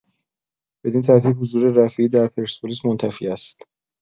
بدین‌ترتیب حضور رفیعی در پرسپولیس منتفی است.